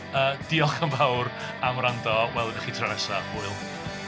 Yy diolch yn fawr am wrando, welwn ni chi tro nesa', hwyl.